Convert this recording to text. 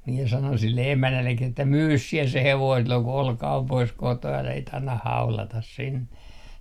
minä sanoin sille emännällekin että myy sinä se hevonen silloin kun Olka on poissa kotoa älä sitten anna haudata sinne